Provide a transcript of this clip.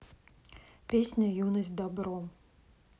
песня юность дабро